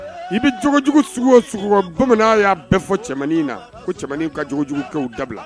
I bi jogo jugu sugu o sugu kɔ, bamanan ya bɛɛ fɔ cɛmannin na . Ko cɛmannin ka o jogo jugu kow dabila